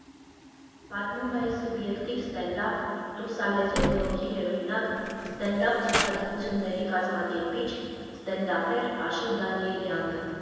Պատմում է «Սուբյեկտիվ ստենդափ» ռուսալեզու բլոգի հեղինակ, ստենդափ ցուցադրությունների կազմակերպիչ, ստենդափեր Աշոտ Դանիելյանը։